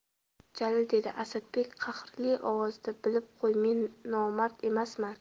jalil dedi asadbek qahrli ovozda bilib qo'y men nomard emasman